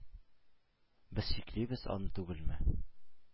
Без чиклибез аны түгелме?!